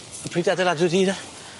A pryd adeiladwyd hi de?